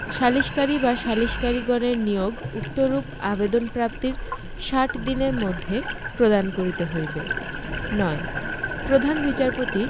সালিসকারী বা সালিসকারীগণের নিয়োগ উক্তরূপ আবেদন প্রাপ্তির ষাট দিনের মধ্যে প্রদান করিতে হইবে ৯ প্রধান বিচারপতি